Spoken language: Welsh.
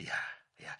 Ia ia.